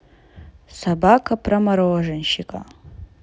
собака про мороженщика